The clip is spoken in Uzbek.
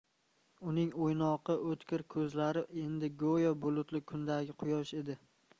uning o'ynoqi o'tkir ko'zlari endi go'yo bulutli kundagi quyosh edi